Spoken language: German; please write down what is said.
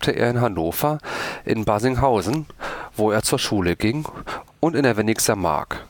in Hannover, in Barsinghausen, wo er zur Schule ging, und in der Wennigser Mark